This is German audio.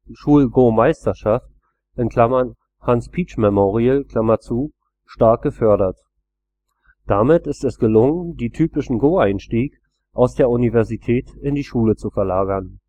Schul-Go-Meisterschaft (Hans Pietsch Memorial) stark gefördert. Damit ist es gelungen, den typischen Go-Einstieg aus der Universität in die Schule zu verlagern